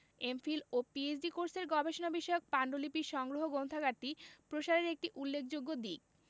MPhil ও PhD কোর্সের গবেষণা বিষয়ক পান্ডুলিপির সংগ্রহ গ্রন্থাগারটি প্রসারের একটি উল্লেখযোগ্য দিক